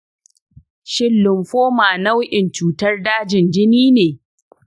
shin lymphoma nau’in cutar dajin jini ne?